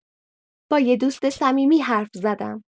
با یه دوست صمیمی حرف زدم.